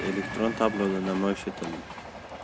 elektron tabloda namoyish etildi